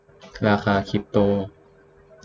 ราคาคริปโต